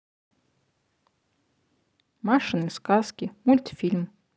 машины сказки мультфильм